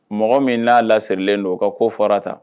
Mɔgɔ min n'a lasirilen don o ka ko fɔra tan